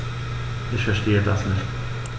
Ich verstehe das nicht.